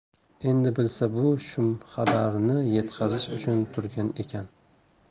endi bilsa bu shumxabarni yetkazish uchun turgan ekan